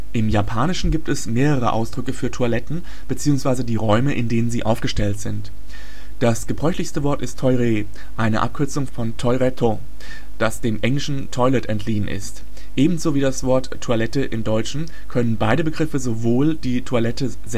Im Japanischen gibt es mehrere Ausdrücke für Toiletten bzw. die Räume, in denen diese aufgestellt sind. Das gebräuchlichste Wort ist Toire (トイレ), eine Abkürzung von Toiretto (トイレット), das dem englischen toilet entliehen ist. Ebenso wie das Wort „ Toilette “im Deutschen können beide Begriffe sowohl die Toilette